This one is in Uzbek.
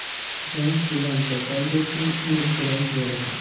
ishonish bilan kasal bo'lsang umid bilan tuzalasan